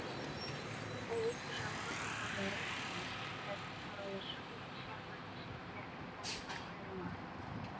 Авыл хуҗалыгы хайваннары һәм үсемлекләренең таралышы буенча берничә термик пояслар аерыла: